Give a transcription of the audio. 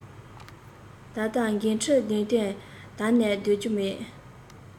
ད ལྟ འགན འཁྲིའི གནད དོན ད ནས སྡོད རྒྱུ མེད